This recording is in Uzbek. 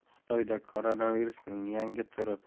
xitoyda koronavirusning yangi turi paydo